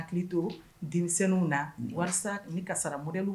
W ka